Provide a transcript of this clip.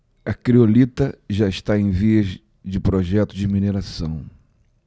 a criolita já está em vias de projeto de mineração